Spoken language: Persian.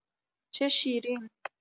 چه شیرین